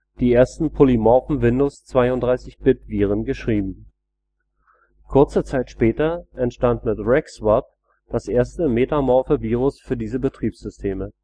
die ersten polymorphen Windows-32-Bit-Viren geschrieben. Kurze Zeit später entstand mit Regswap das erste metamorphe Virus für diese Betriebssysteme